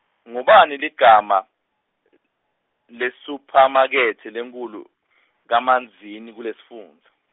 ngubani ligama , lesuphamakethe lenkhulu , kaManzini kulesifundza.